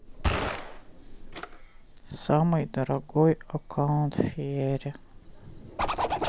самый дорогой аккаунт fiery